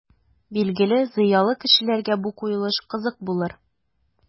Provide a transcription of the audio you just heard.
Билгеле, зыялы кешеләргә бу куелыш кызык булыр.